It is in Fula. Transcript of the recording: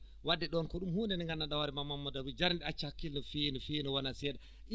waade ɗoon ko ɗum huunde nde nganndanɗaa hoore maa Mamadou Abou jarani acca hakklle no feewi no feewi ne wonaa seeɗa